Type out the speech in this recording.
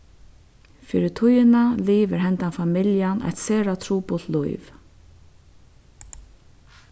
fyri tíðina livir hendan familjan eitt sera trupult lív